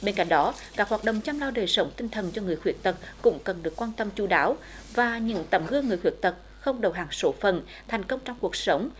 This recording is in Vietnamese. bên cạnh đó các hoạt động chăm lo đời sống tinh thần cho người khuyết tật cũng cần được quan tâm chu đáo và những tấm gương người khuyết tật không đầu hàng số phận thành công trong cuộc sống